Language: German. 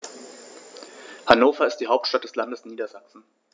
Hannover ist die Hauptstadt des Landes Niedersachsen.